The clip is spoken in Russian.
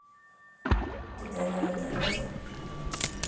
ты дарила мне розы